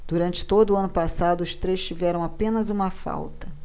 durante todo o ano passado os três tiveram apenas uma falta